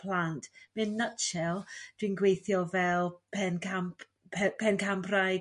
plant mewn nutshell dwi'n gweithio fel pencamp- pen- pencampraig